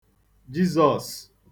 Jizọ̄s